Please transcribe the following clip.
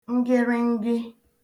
ngịrịngị